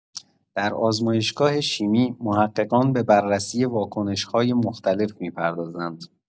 در آزمایشگاه شیمی، محققان به بررسی واکنش‌های مختلف می‌پردازند.